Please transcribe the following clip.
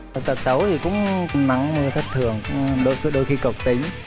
tật xấu thì cũng nắng mưa thất thường ư đôi cứ đôi khi cộc tính